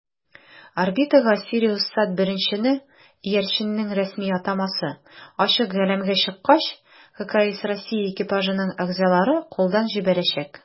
Орбитага "СириусСат-1"ны (иярченнең рәсми атамасы) ачык галәмгә чыккач ХКС Россия экипажының әгъзалары кулдан җибәрәчәк.